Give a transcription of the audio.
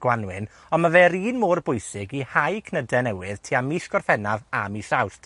gwanwyn, ond ma' fe'r un mor bwysig i hau cnyde newydd tua mis Gorffennaf a mis Awst.